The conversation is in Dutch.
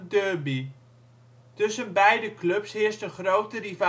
derby. Tussen beide clubs heerst een grote